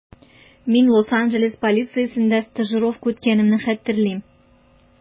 Мин Лос-Анджелес полициясендә стажировка үткәнемне хәтерлим.